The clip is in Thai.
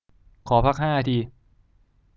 ขอพักห้านาที